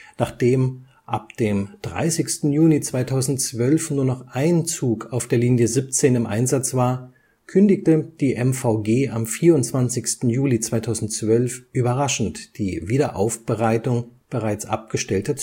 Nachdem ab dem 30. Juni 2012 nur noch ein Zug auf der Linie 17 im Einsatz war, kündigte die MVG am 24. Juli 2012 überraschend die Wiederaufarbeitung bereits abgestellter